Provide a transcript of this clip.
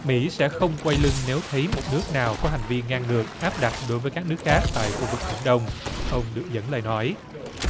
mỹ sẽ không quay lưng nếu thấy một nước nào có hành vi ngang ngược áp đặt đối với các nước khác tại khu vực biển đông ông được dẫn lời nói